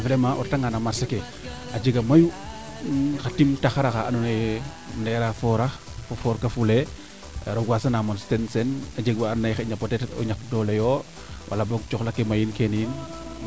vraiment o reta nga no marcher ke a jega mayu xa tim taxara xaa ando naye ndera foora fo foorka fule roog wasanamo ten sene a jeg waa ando naye xaƴna peut etre doole yo wala boog coxla ke mayiin kene yiin